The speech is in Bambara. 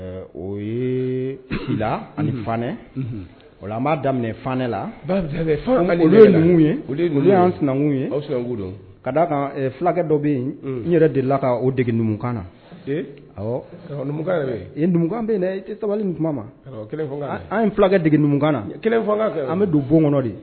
O ye aniɛ o b'a daminɛ fanɛ la sinakun ka fulakɛ dɔ bɛ yen n yɛrɛ de la ka o dege numukan nakan bɛ sabali an fulakɛ dege na an bɛ don bon kɔnɔ de